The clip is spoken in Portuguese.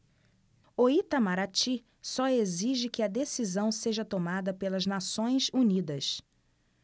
o itamaraty só exige que a decisão seja tomada pelas nações unidas